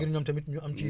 ngir ñoom tamit ñu am ci